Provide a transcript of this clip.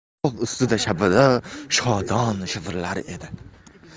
bog' ustida shabada shodon shivirlar edi